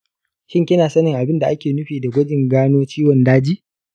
shin kina sanin abin da ake nufi da gwajin gano ciwon daji?